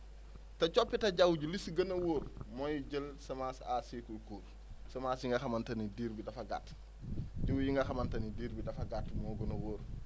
te coppite jaww ji lu si gën a wóor mooy jël semence à cycle court semence yi nga xamante ni diir bi dafa gàtt jiw yi nga xamante ne diir bi dafa gàtt moo gën a wóor